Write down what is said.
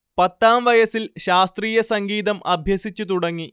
പത്താം വയസിൽ ശാസ്ത്രീയ സംഗീതം അഭ്യസിച്ചു തുടങ്ങി